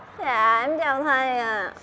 dạ em chào thầy ạ